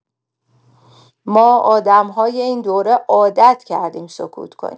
ما آدم‌های این دوره عادت کردیم سکوت کنیم.